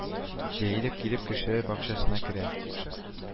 Җәелеп килеп кешеләр бакчасына керә